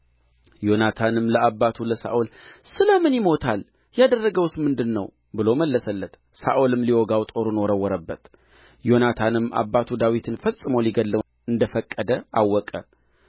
ዮናታንም ለአባቱ ለሳኦል ስለ ምን ይሞታል ያደረገውስ ምንድር ነው ብሎ መለሰለት ሳኦልም ሊወጋው ጦሩን ወረወረበት ዮናታንም አባቱ ዳዊትን ፈጽሞ ሊገድለው እንደ ፈቀደ አወቀ